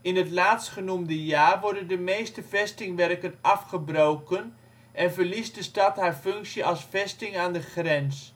In het laatstgenoemde jaar worden de meeste vestingwerken afgebroken en verliest de stad haar functie als vesting aan de grens